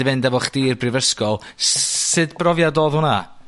i fynd efo chdi i'r brifysgol. S- s- sud brofiad odd hwnna?